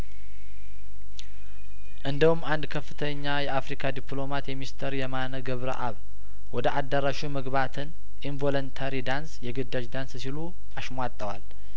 እንደውም አንድ ከፍተኛ የአፍሪካ ዲፕሎማት የሚስተር የማነ ገብረአብ ወደ አዳራሹ መግባትን ኢንቮለንተሪ ዳንስ የግዳጅ ዳንስ ሲሉ አሽሟጠዋል